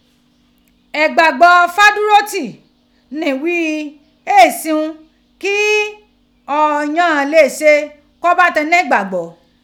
Igbagbọ Fádúrótì ni ghii e sihun ki eeyan lee ṣe ko ba ti ni igbagbọ.